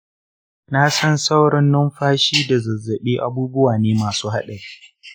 na san saurin numfashi da zazzabi abubuwa ne masu haɗari.